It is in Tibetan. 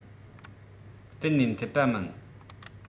གཏན ནས འཐད པ མིན